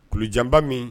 Kulujanba min